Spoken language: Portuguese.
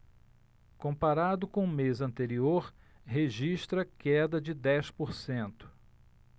comparado com o mês anterior registra queda de dez por cento